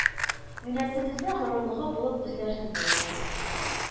Милләтебезнең горурлыгы булып үсәрсез, балалар